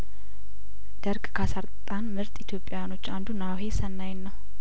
ደርግ ካሳጣን ምርጥ ኢትዮጵያውያኖች አንዱ ናሆሰናይን ነው